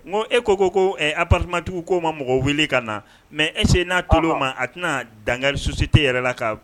N e ko ko ko ɛɛ apmatigiwko ma mɔgɔ wuli ka na mɛ ese n'a ki ma a tɛna danga susite yɛrɛ la kan